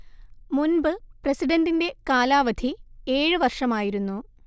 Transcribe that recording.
മുൻപ് പ്രസിഡന്റിന്റെ കാലാവധി ഏഴ് വർഷമായിരുന്നു